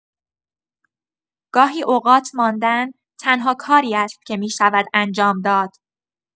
گاهی اوقات ماندن، تنها کاری است که می‌شود انجام داد.